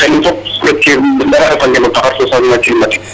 a refangeerna no ndaxar fo changement climatique,